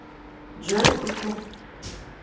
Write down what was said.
joe cocker